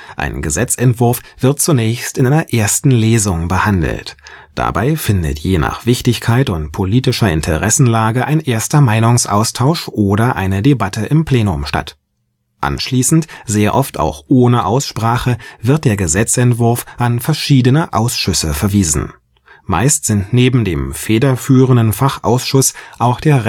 Ein Gesetzentwurf wird zunächst in einer „ ersten Lesung “behandelt. Dabei findet je nach Wichtigkeit und politischer Interessenlage ein erster Meinungsaustausch oder eine Debatte im Plenum statt. Anschließend, sehr oft auch ohne Aussprache, wird der Gesetzentwurf an verschiedene Ausschüsse verwiesen. Meist sind neben dem „ federführenden “Fachausschuss auch der